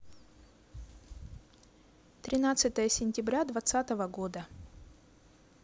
тринадцатое сентября двадцатого года